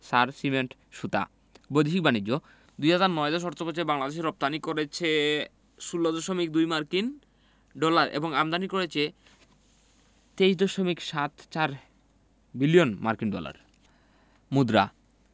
সার cement সুতা বৈদেশিক বাণিজ্যঃ ২০০৯ ১০ অর্থবছরে বাংলাদেশ রপ্তানি করেছে ১৬দশমিক ২ বিলিয়ন মার্কিন ডলার এবং আমদানি করেছে ২৩দশমিক সাত চার বিলিয়ন মার্কিন ডলার মুদ্রাঃ